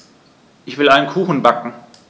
Ich will einen Kuchen backen.